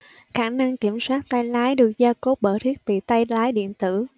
khả năng kiểm soát tay lái được gia cố bởi thiết bị tay lái điện tử